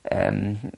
yym m-hm